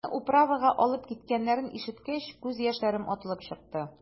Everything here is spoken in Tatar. Сине «управа»га алып киткәннәрен ишеткәч, күз яшьләрем атылып чыкты.